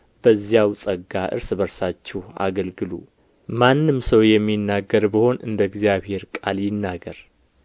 በዚያው ጸጋ እርስ በርሳችሁ አገልግሉ ማንም ሰው የሚናገር ቢሆን እንደ እግዚአብሔር ቃል ይናገር